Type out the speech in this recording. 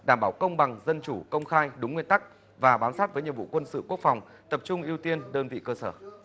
đảm bảo công bằng dân chủ công khai đúng nguyên tắc và bám sát với nhiệm vụ quân sự quốc phòng tập trung ưu tiên đơn vị cơ sở